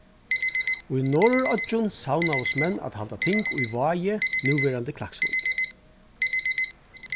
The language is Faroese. í norðuroyggjum savnaðust menn at halda ting í vági núverandi klaksvík